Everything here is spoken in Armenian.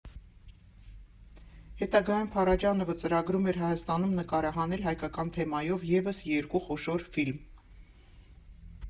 Հետագայում Փարաջանովը ծրագրում էր Հայաստանում նկարահանել հայկական թեմայով ևս երկու խոշոր ֆիլմ.